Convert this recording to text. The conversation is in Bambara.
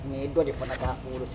nin ye dɔ de fana ka wolo sɛbɛn ye!